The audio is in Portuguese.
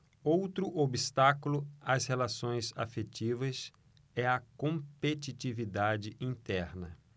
outro obstáculo às relações afetivas é a competitividade interna